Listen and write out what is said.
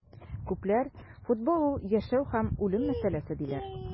Күпләр футбол - ул яшәү һәм үлем мәсьәләсе, диләр.